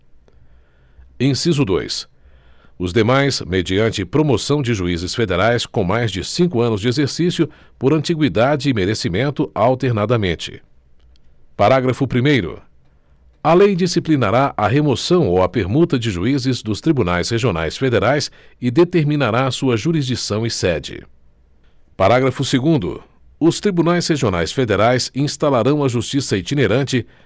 inciso dois os demais mediante promoção de juízes federais com mais de cinco anos de exercício por antiguidade e merecimento alternadamente parágrafo primeiro a lei disciplinará a remoção ou a permuta de juízes dos tribunais regionais federais e determinará sua jurisdição e sede parágrafo segundo os tribunais regionais federais instalarão a justiça itinerante